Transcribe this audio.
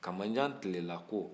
kamanjan tilelako